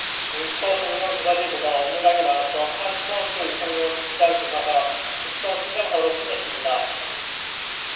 앵커 동료 교사들보다 업무량이 많았던 한 초등학교 육 학년 부장교사가 급성심장사로 숨졌습니다